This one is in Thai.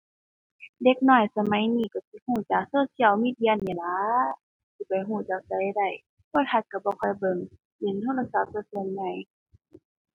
เด็กน้อยสมัยนี้ก็สิก็จาก social media นี่ล่ะ สิไปก็จากไสได้ โทรทัศน์ก็บ่ค่อยเบิ่ง เล่นโทรศัพท์ซะส่วนใหญ่